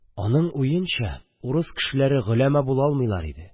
Аның уенча, урыс кешеләре голәма була алмыйлар иде.